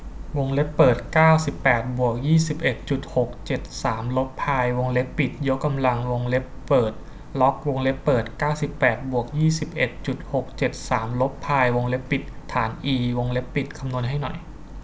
วงเล็บเปิดเก้าสิบแปดบวกยี่สิบเอ็ดจุดหกเจ็ดสามลบพายวงเล็บปิดยกกำลังวงเล็บเปิดล็อกวงเล็บเปิดเก้าสิบแปดบวกยี่สิบเอ็ดจุดหกเจ็ดสามลบพายวงเล็บปิดฐานอีวงเล็บปิดคำนวณให้หน่อย